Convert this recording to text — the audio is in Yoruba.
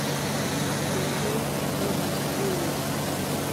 Mo ní ó digbére.